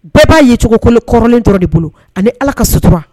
Bɛɛ b'a ye cogo ni kɔrɔnin dɔrɔn de bolo ani ala ka sutura